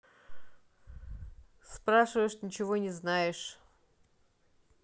спрашиваешь ничего не знаешь